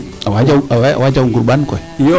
awaa jaw awaa jaw ngurmbaan koy